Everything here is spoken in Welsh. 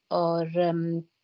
o'r yym